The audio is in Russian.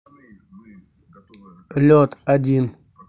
лед один